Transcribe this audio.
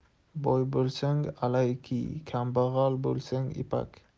boy bo'lsang alak kiy kambag'al bo'lsang ipak